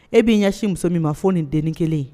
E b'i ɲɛsin muso min ma fɔ nin den ni kelen ye